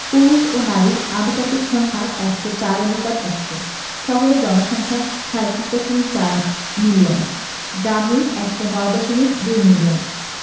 পুরুষ ও নারীর আনুপাতিক সংখ্যা ১০৪ অনুপাত ১০০ শহুরে জনসংখ্যা ৩৭দশমিক ৪ মিলিয়ন গ্রামীণ ১০৯দশমিক ২ মিলিয়ন